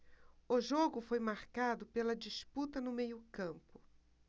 o jogo foi marcado pela disputa no meio campo